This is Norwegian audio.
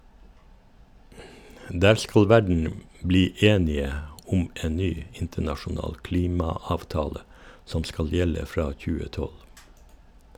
Der skal verden bli enige om en ny internasjonal klimaavtale som skal gjelde fra 2012.